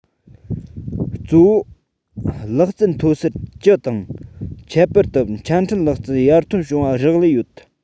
གཙོ བོ ལག རྩལ མཐོ གསར སྤྱི དང ཁྱད པར དུ ཆ འཕྲིན ལག རྩལ ཡར ཐོན བྱུང བར རག ལས ཡོད